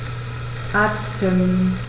Arzttermin